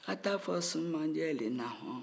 a t'a fɔ sumanjɛ le na hɔn